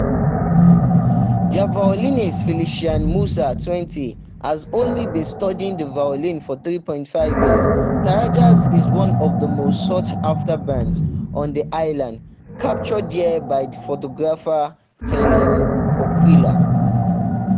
Their violinist, Felician Mussa, 20, has only been studying the violin for 3.5 years; TaraJazz is one of the most sought-after bands on the islands, captured here by photographer Aline Coquelle: